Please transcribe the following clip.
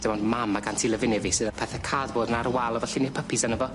Dim ond mam ag Auntie Lefynia fi sydd â pethe cardboard yn ar y wal efo llunie pypîs arno fo.